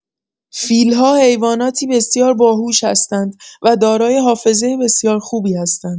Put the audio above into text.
فیل‌ها حیواناتی بسیار باهوش هستند و دارای حافظه بسیار خوبی هستند.